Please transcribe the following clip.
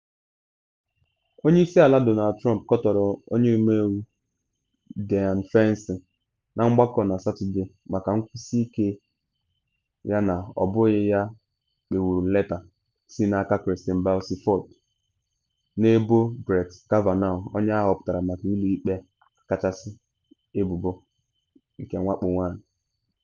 Onye isi ala Donald Trump kọtọrọ Onye Ọmeiwu Dianne Feinstein na mgbakọ na Satọde maka nkwusi ike ya na ọ bụghị ya kpughepuru leta si n’aka Christine Blasey Ford na ebo Brett Kavanaugh onye ahọpụtara maka Ụlọ Ikpe Kachasị ebubo nke nwakpo nwanyị.